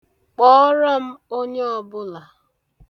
Kpọrọ m onye ọbụla.